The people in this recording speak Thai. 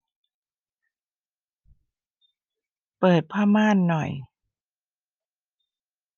เปิดผ้าม่านหน่อย